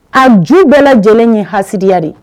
A ju bɛɛ lajɛlen ye hadiya de ye